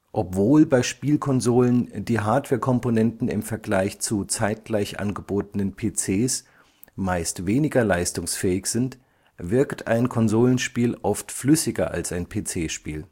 Obwohl bei Spielkonsolen die Hardwarekomponenten im Vergleich zu zeitgleich angebotenen PCs meist weniger leistungsfähig sind, wirkt ein Konsolenspiel oft flüssiger als ein PC-Spiel